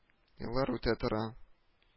Еллар үтә тора